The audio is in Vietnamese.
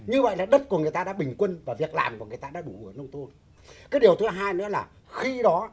như vậy là đất của người ta đã bình quân và việc làm của người ta đã đủ ở nông thôn cấy điều thứ hai nữa là khi đó